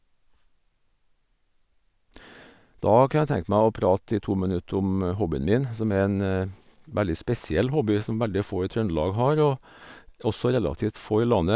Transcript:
Da kunne jeg tenkt meg å prate i to minutter om hobbyen min, som er en veldig spesiell hobby som veldig få i Trøndelag har, og også relativt få i landet.